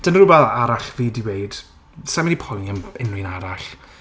Dyna rhywbeth arall fi 'di weud. Sa i'n mynd i poeni am yy unryw un arall.